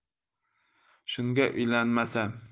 shunga uylanmasam